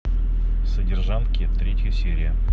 содержанки третья серия